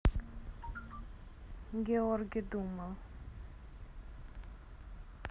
georgy думал